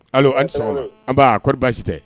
Hali an an koɔri baasi tɛ